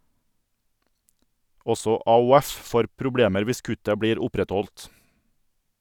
Også AOF får problemer hvis kuttet blir opprettholdt.